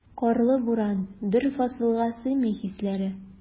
Карлы буран, бер фасылга сыймый хисләре.